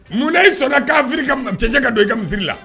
Munna y' sɔnna'a fili ka cɛcɛ ka don i ka misiri la